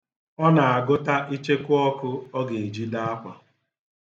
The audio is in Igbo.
Ọ na-agụta ichekụọkụ ọ ga-eji dee akwa.